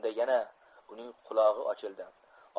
shunda yana uning qulog'i ochildi